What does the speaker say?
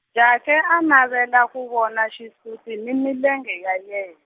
Jake a navela ku vona xisuti ni milenge ya yen-.